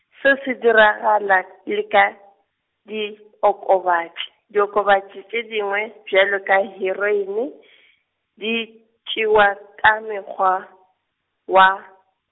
se se diragala le ka diokobatši, diokobatši tše dingwe bjalo ka heroin, di tšewa ka mekgwa, wa.